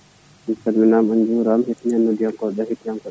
on calminama on juurama hettima hen noddiyankoɓe ɓe e hettiyankoɓe